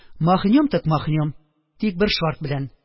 Махнём тек махнём, тик бер шарт белән: